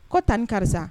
Ko ta ni karisa